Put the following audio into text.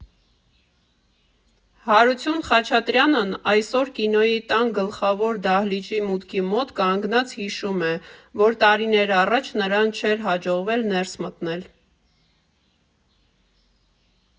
Հարություն Խաչատրյանն այսօր Կինոյի տան գլխավոր դահլիճի մուտքի մոտ կանգնած հիշում է, որ տարիներ առաջ նրան չէր հաջողվել ներս մտնել.